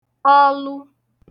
ọlụ